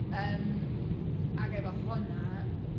Yym, ac efo honna...